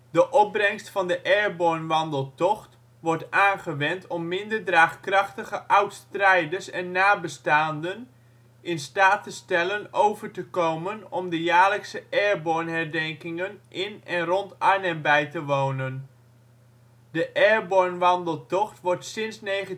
De opbrengst van de Airborne Wandeltocht wordt aangewend om minder draagkrachtige oud-strijders en nabestaanden in staat te stellen over te komen om de jaarlijkse Airborne herdenkingen in en rond Arnhem bij te wonen. De Airborne wandeltocht wordt sinds 1947